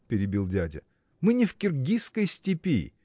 – перебил дядя, – мы не в киргизской степи.